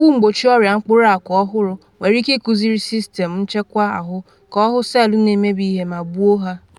Ọgwụ mgbochi ọrịa mkpụrụ akụ ọhụrụ nwere ike ikuziri sistem nchekwa ahụ ka ọ “hụ” selụ na-emebi ihe ma gbuo ha